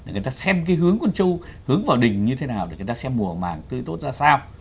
để người ta xem cái hướng con trâu hướng vào đình như thế nào để người ta xem mùa màng tươi tốt ra sao